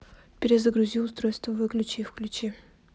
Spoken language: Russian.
перезагрузи устройство выключи и включи